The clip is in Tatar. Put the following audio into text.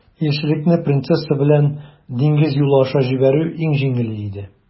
Илчелекне принцесса белән диңгез юлы аша җибәрү иң җиңеле иде.